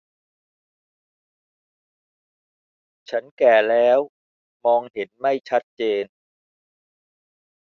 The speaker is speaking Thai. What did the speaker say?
ฉันแก่แล้วมองเห็นไม่ชัดเจน